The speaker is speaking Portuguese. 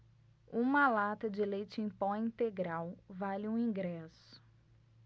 uma lata de leite em pó integral vale um ingresso